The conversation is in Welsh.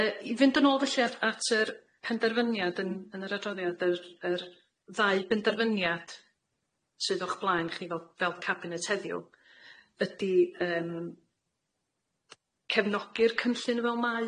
Yy i fynd yn ôl felly at at yr penderfyniad yn yn yr adroddiad yr yr ddau benderfyniad sydd o'ch blaen chi fel fel cabinet heddiw ydi yym cefnogi'r cynllun fel mae